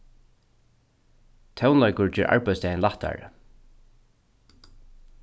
tónleikur ger arbeiðsdagin lættari